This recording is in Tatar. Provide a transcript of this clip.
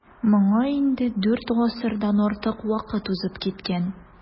Моңа инде дүрт гасырдан артык вакыт узып киткән.